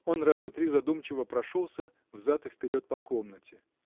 Он раза три задумчиво прошелся взад и вперед по комнате.